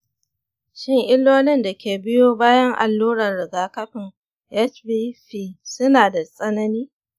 shin illolin da ke biyo bayan allurar rigakafin hpv suna da tsanani?